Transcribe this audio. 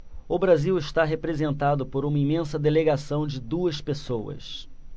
o brasil está representado por uma imensa delegação de duas pessoas